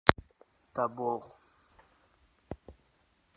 тобол